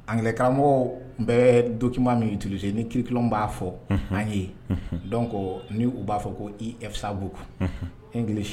An karamɔgɔ bɛ dɔki min tuluse ni kiki b'a fɔ n' ye dɔn ni u b'a fɔ ko ifasabuguku nili